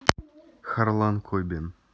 харлан кобен